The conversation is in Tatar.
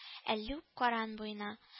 Әллүк каран буена